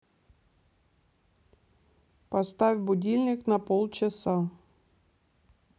поставь будильник на пол часа